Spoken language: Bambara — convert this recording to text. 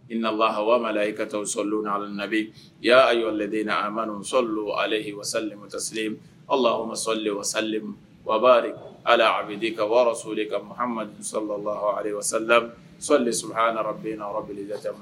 I nama la i ka taa sɔl ala labɛnbi i y'ay lajɛdenina a amadu sɔ l wali ala ma sali wa wari ala abidu ka wa so de kamadu sala sɔ hali nana bɛ bali